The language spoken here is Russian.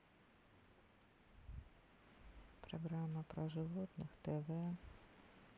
программа про животных тв